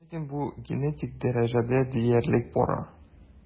Ләкин бу генетик дәрәҗәдә диярлек бара.